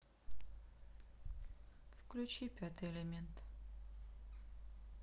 включи пятый элемент